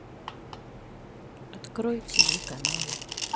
открой тв каналы